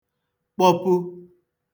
kpọpu